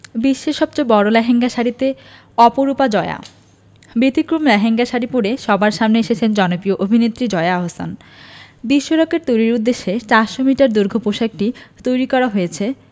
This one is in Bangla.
বিশ্বের সবচেয়ে বড় লেহেঙ্গা শাড়িতে অপরূপা জয়া ব্যতিক্রমী লেহেঙ্গা শাড়ি পরে সবার সামনে এসেছেন জনপ্রিয় অভিনেত্রী জয়া আহসান বিশ্বরেকর্ড তৈরির উদ্দেশ্যে ৪০০ মিটার দীর্ঘ পোশাকটি তৈরি করা হয়েছে